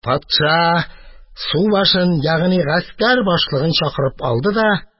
Патша субашын, ягъни гаскәр башлыгын, чакырып алды да: